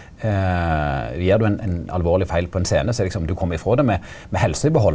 gjer du ein ein alvorleg feil på ein scene så er liksom du kjem ifrå det med med helsa i behald.